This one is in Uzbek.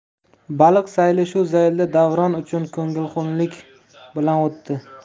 baliq sayli shu zaylda davron uchun ko'ngilxunlik bilan o'tdi